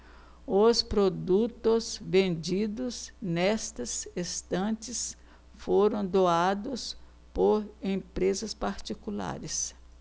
os produtos vendidos nestas estantes foram doados por empresas particulares